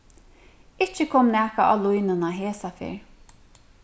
ikki kom nakað á línuna hesa ferð